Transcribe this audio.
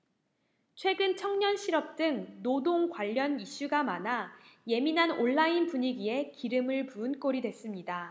최근 청년 실업 등 노동 관련 이슈가 많아 예민한 온라인 분위기에 기름을 부은 꼴이 됐습니다